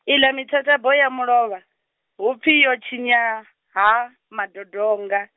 i ḽa mithathabo ya mulovha, hupfi yo tshinya, Ha Madodonga.